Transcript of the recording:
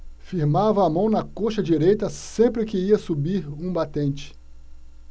firmava a mão na coxa direita sempre que ia subir um batente